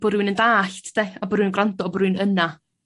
Bo' rywun yn dallt 'de a bo' rywun gwrando bo' rywun yna.